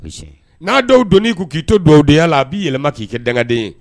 N'a dɔw don ko k'i to dugawu deya la a b'i yɛlɛma k'i kɛ danden ye